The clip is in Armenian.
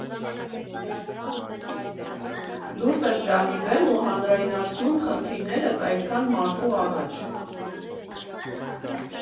Դուրս ես գալիս բեմ ու հանրայնացնում խնդիրներդ այդքան մարդու առաջ։